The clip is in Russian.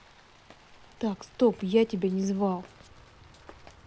так стоп я тебя не звал